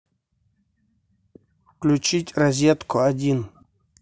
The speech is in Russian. включить розетку один